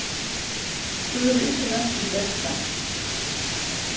tú hevur ikki roynt títt besta